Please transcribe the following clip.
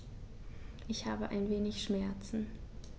Ich habe ein wenig Schmerzen.